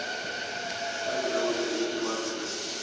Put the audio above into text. как зовут певицу максим